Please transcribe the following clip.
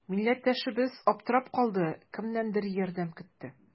Милләттәшебез аптырап калды, кемнәндер ярдәм көтте.